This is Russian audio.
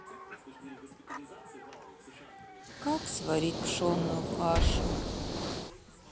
как сварить пшенную кашу